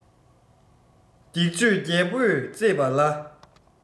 སྡིག སྤྱོད རྒྱལ པོས གཙེས པ ལ